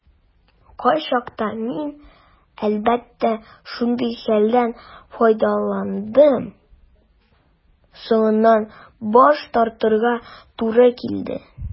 Кайчакта мин, әлбәттә, шундый хәлдән файдаландым - соңыннан баш тартырга туры килде.